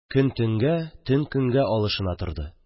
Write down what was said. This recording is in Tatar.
Көн төнгә, төн көнгә алышына торды